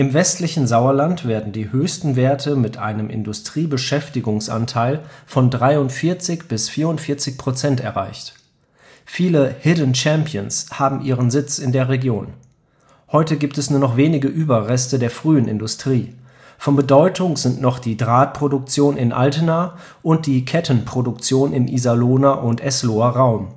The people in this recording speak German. westlichen Sauerland werden die höchsten Werte mit einem Industriebeschäftigtenanteil von 43-44 % erreicht. Viele Hidden Champions haben ihren Sitz in der Region. Heute gibt es nur noch wenige Überreste der frühen Industrie. Von Bedeutung sind noch die Drahtproduktion in Altena und die Kettenproduktion im Iserlohner und Esloher Raum